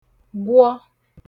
gwọ